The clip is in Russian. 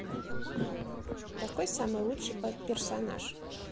какой самый лучший персонаж